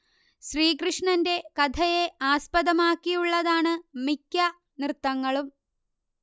ശ്രീകൃഷ്ണന്റെ കഥയെ ആസ്പദമാക്കിയുള്ളതാണ് മിക്ക നൃത്തങ്ങളും